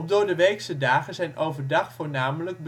doordeweekse dagen zijn overdag voornamelijk